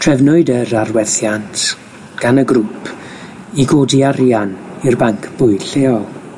Trefnwyd yr arwerthiant gan y grŵp i godi arian i'r banc bwyd lleol.